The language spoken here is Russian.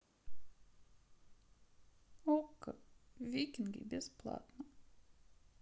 окко викинги бесплатно